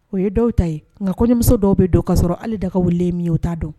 O ye dɔw ta ye nka ko nimuso dɔw bɛ don kaa sɔrɔ ale da ka wuli mi o ta dɔn